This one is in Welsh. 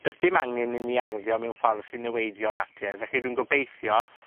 Does dim angen i ni arddio mewn ffordd sy'n niweidio natur. Felly, dwi'n gobeithio,